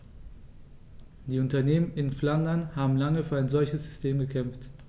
Die Unternehmen in Flandern haben lange für ein solches System gekämpft.